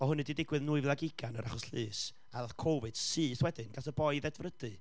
oedd hwnna 'di digwydd yn nwy fil ac ugain, yr achos llys, a ddoth Covid syth wedyn, gath y boi ei ddedfrydu,